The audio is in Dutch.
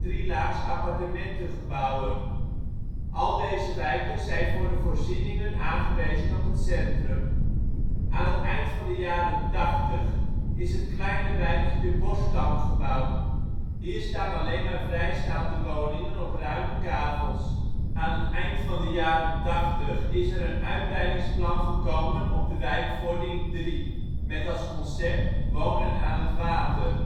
3-laags appartementengebouwen. Al deze wijken zijn voor de voorzieningen aangewezen op het centrum. Aan het eind van de jaren ' 80 is het kleine wijkje de Boskamp gebouwd. Hier staan alleen maar vrijstaande woningen op ruime kavels. Aan het eind van de jaren tachtig is een een uitbreidingsplan gekomen op de wijk Vording 3, met als concept ' Wonen aan het water